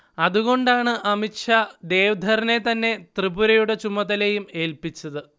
അതുകൊണ്ടാണ് അമിത് ഷാ ദേവധറിനെ തന്നെ ത്രിപുരയുടെ ചുമതലയും ഏൽപിച്ചത്